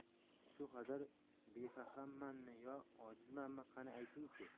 shu qadar befahmmanmi yo ojizmanmi qani ayting chi